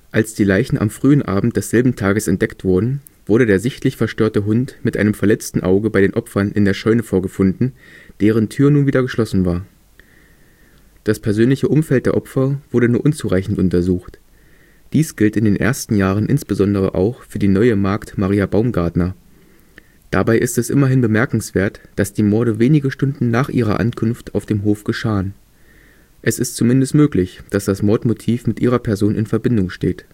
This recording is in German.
Als die Leichen am frühen Abend desselben Tages entdeckt wurden, wurde der sichtlich verstörte Hund mit einem verletzten Auge bei den Opfern in der Scheune vorgefunden, deren Tür nun wieder geschlossen war. Das persönliche Umfeld der Opfer wurde nur unzureichend untersucht. Dies gilt in den ersten Jahren insbesondere auch für die neue Magd Maria Baumgartner. Dabei ist es immerhin bemerkenswert, dass die Morde wenige Stunden nach ihrer Ankunft auf dem Hof geschahen. Es ist zumindest möglich, dass das Mordmotiv mit ihrer Person in Verbindung steht